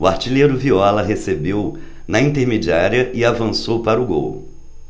o artilheiro viola recebeu na intermediária e avançou para o gol